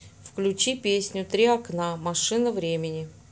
включи песню три окна машина времени